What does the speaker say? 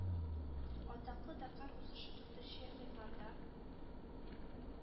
Атаклы “Дакар” узышы дүртенче гыйнварда